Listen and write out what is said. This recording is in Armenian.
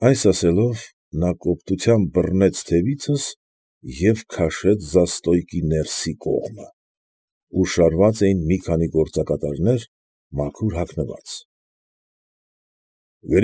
Այս ասելով, նա կոպտությամբ բռնեց թևիցս և քաշեց զաստոյկի ներսի կողմը, ուր շարված էին մի քանի գործակատարներ մաքուր հագնված։ ֊